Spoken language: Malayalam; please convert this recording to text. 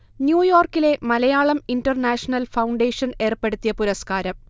ന്യൂയോർക്കിലെ മലയാളം ഇന്റർനാഷണൽ ഫൗണ്ടേഷൻ ഏർപ്പെടുത്തിയ പുരസ്കാരം